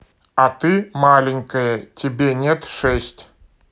а ты маленькая тебе нет шесть